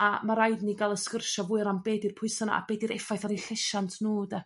A ma' raid ni ga'l y sgwrsio fwy o ran be 'dy'r pwysa' 'na a be dy'r effaith ar 'u llesiant nhw 'de?